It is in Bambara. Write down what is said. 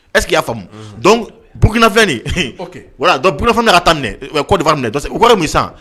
Est ce que i y'a i y'a faamu, unhun, donc Burukina filɛ nin ye, ehe, ok, voila, donc Burukina fana bɛna a ka taa minɛ, Kodowari minɛ o kɔrɔ ye mun ye sisan